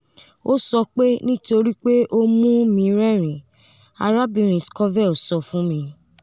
“O sọ pe, “Nitori pe o n mu mi rẹrin,”” Ms. Scovell sọ fun mi.